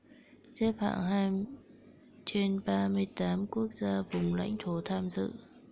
xếp hạng hai trên ba mươi tám quốc gia vùng lãnh thổ tham dự